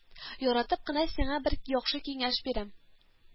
Яратып кына сиңа бер яхшы киңәш бирәм